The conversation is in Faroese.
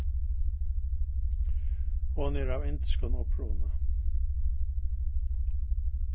hon er av indiskum uppruna